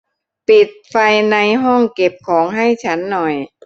ปิดไฟในห้องเก็บของให้ฉันหน่อย